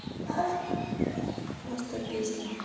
просто песня